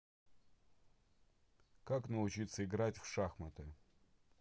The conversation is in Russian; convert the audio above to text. как научиться играть в шахматы